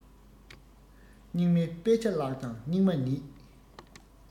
སྙིགས མའི དཔེ ཆ བཀླགས ཀྱང སྙིགས མ ཉིད